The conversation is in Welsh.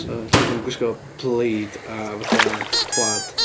So alli di'm gwisgo pleid a fatha plàd.